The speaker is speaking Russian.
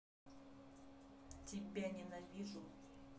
тебя не навижу